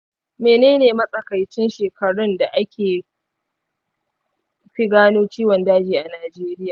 menene matsakaicin shekarun da ake fi gano ciwon daji a najeriya?